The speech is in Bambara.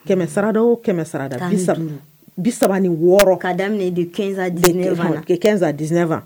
100 sarada o 100 sarada bi sab 15 36 ka daminɛ de 15 à 19 ans la de 15 à 19 ans